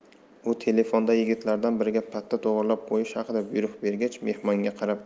u telefonda yigitlardan biriga patta to'g'irlab qo'yish haqida buyruq bergach mehmonga qarab